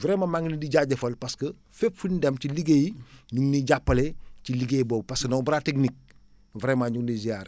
vraiment maa ngi leen di jaajëfal parce que fépp fuñ dem ci liggéeyi ñu ngi ñuy jàppale ci liggéey boobu parce que nos bras techniques vraiment ñu ngi lay ziar